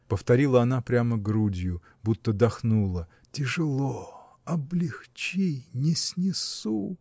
— повторила она прямо грудью, будто дохнула, — тяжело, облегчи, не снесу!